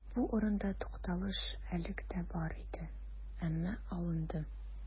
Бу урында тукталыш элек тә бар иде, әмма алынды.